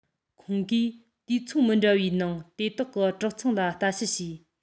ཁོང གིས དུས ཚོད མི འདྲ བའི ནང དེ དག གི གྲོག ཚང ལ ལྟ དཔྱད བྱས